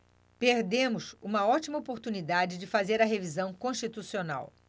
perdemos uma ótima oportunidade de fazer a revisão constitucional